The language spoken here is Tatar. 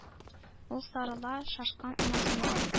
Ул сарыла шашкан анасына,